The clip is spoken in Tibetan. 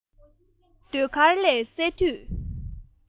ཟློས གར ལས སད དུས